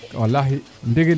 walahi ndigil